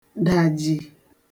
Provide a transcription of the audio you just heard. -dàjì